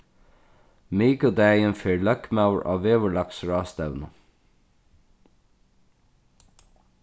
mikudagin fer løgmaður á veðurlagsráðstevnu